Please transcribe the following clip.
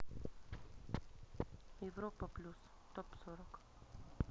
европа плюс топ сорок